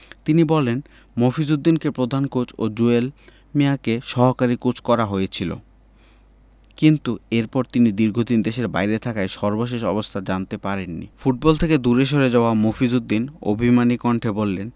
তিনি বলেন মফিজ উদ্দিনকে প্রধান কোচ ও জুয়েল মিয়াকে সহকারী কোচ করা হয়েছিল কিন্তু এরপর তিনি দীর্ঘদিন দেশের বাইরে থাকায় সর্বশেষ অবস্থা জানতে পারেননি ফুটবল থেকে দূরে সরে যাওয়া মফিজ উদ্দিন অভিমানী কণ্ঠে বললেন